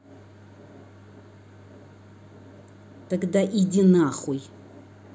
тогда иди нахуй